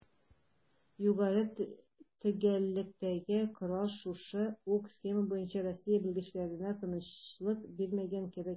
Югары төгәллектәге корал шушы ук схема буенча Россия белгечләренә тынычлык бирмәгән кебек: